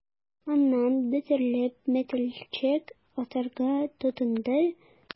Аннан, бөтерелеп, мәтәлчек атарга тотынды...